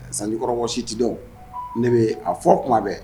Zanjikɔrɔ si tɛdenw ne bɛ a fɔ tuma bɛɛ